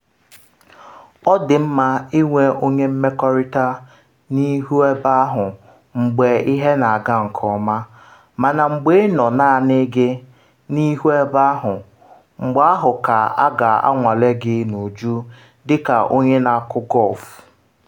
Ọ dị mma inwe onye mmekọrịta n’ihu ebe ahụ mgbe ihe na-aga nke ọma, mana mgbe ịnọ naanị gị n’ihu ebe ahụ, mgbe ahụ ka a ga-anwale gị n’uju dịka onye na-akụ gọlfụ.